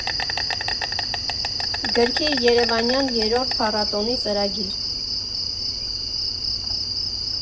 Գրքի երևանյան երրորդ փառատոնի ծրագիր։